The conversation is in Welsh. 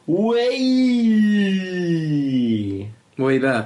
Wey! Wey be'?